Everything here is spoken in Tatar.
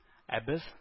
Ә без